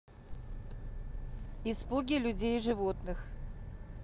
испуги людей и животных